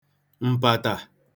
m̀bàtà